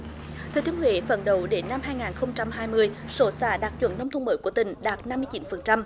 thừa thiên huế phấn đấu đến năm hai ngàn không trăm hai mươi số xã đạt chuẩn nông thôn mới của tỉnh đạt năm mươi chín phần trăm